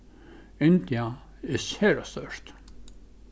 india er sera stórt